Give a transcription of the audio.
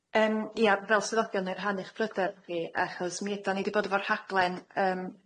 Yym ia fel swyddogion ynn rhannu eich pryder chi, achos mi ydan ni 'di bod efo'r rhaglen yym